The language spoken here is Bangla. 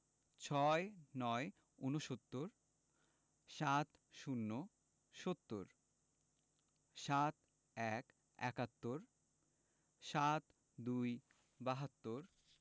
৬৯ – ঊনসত্তর ৭০ - সত্তর ৭১ – একাত্তর ৭২ – বাহাত্তর